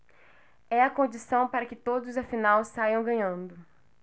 é a condição para que todos afinal saiam ganhando